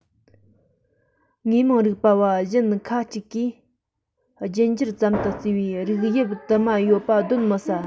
དངོས མང རིག པ བ གཞན ཁ ཅིག གིས རྒྱུད འགྱུར ཙམ དུ བརྩིས པའི རིགས དབྱིབས དུ མ ཡོད པ གདོན མི ཟ